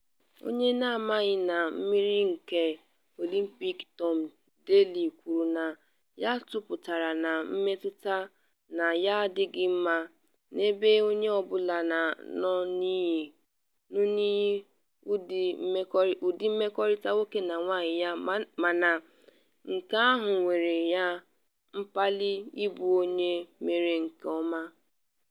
Onye na-amanye na mmiri nke Olympic Tom Daley kwuru na ya toputara na mmetụta na ya adịghị mma na-ebe onye ọ bụla nọ n’ihi ụdị mmekọrịta nwoke na nwanyị ya- mana nke ahụ nyere ya mkpali ịbụ onye mere nke ọma.